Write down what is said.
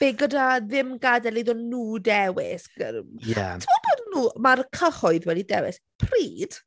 Be? Gyda ddim gadael iddyn nhw dewis. Gy-... ie ...Tibod wedon nhw "mae'r cyhoedd wedi dewis". Pryd?